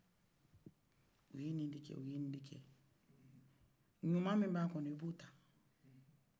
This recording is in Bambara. o ye ni dse kɛ o ye ni dɛ ɲuman min ba kɔnɔ i b'o te ta